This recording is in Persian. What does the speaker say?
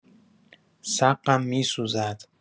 سقم می‌سوزد.